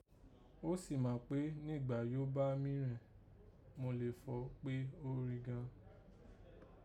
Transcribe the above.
O sì mà kpé nìgbà yìí ó bá mí rẹ̀n, mo lè fọ̀ọ́ kpé ó rí ghan